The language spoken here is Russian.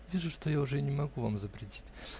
Вижу, что я уже не могу вам запретить.